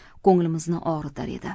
ko'nglimizni og'ritar edi